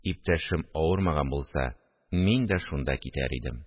Иптәшем авырмаган булса, мин дә шунда китәр идем